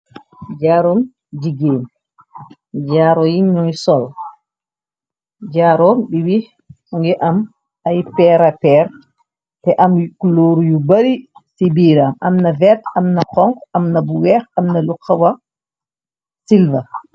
Jaarum jiggéen jaaru yi ñooy soll jaarum bi muge am ay peera peer te amy coloor yu bari ci biiram am na vert am na xong amna bu weex amna lu xawa sylver.